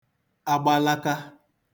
alọtịrị